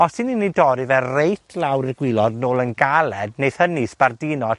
os 'yn ni'n 'i dorri fe reit lawr i'r gwilod, nôl yn galed, neith hynny sbardino